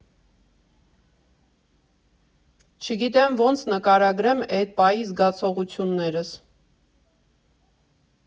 Չգիտեմ ոնց նկարագրեմ էդ պահի զգացողություններս։